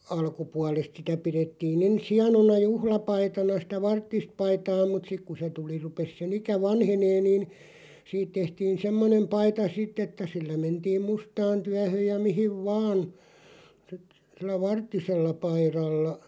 alkupuolesta sitä pidettiin ensin hienona juhlapaitana sitä varttista paitaa mutta sitten kun se tuli rupesi sen ikä vanhenemaan niin siitä tehtiin semmoinen paita sitten että sillä mentiin mustaan työhän ja mihin vain sitten sillä varttisella paidalla